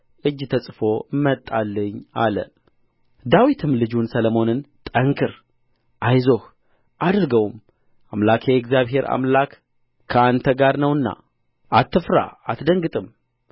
እጅ ተጽፎ መጣልኝ አለ ዳዊትም ልጁን ሰሎሞንን ጠንክር አይዞህ አድርገውም አምላኬ እግዚአብሔር አምላክ ከአንተ ጋር ነውና አትፍራ አትደንግጥም